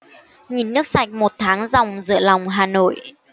nhịn nước sạch một tháng ròng giữa lòng hà nội